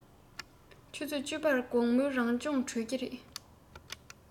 ཆུ ཚོད བཅུ པར དགོང མོའི རང སྦྱོང གྲོལ ཀྱི རེད